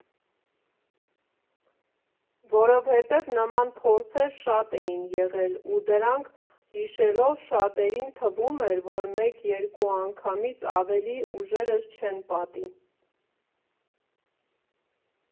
Որովհետև նման փորձեր շատ էին եղել, ու դրանք հիշելով, շատերին թվում էր, որ մեկ֊երկու անգամից ավելի ուժերս չեն պատի։